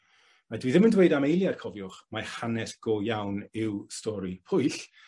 A dwi ddim yn dweud am eiliad cofiwch, mai hanes go iawn yw stori Pwyll,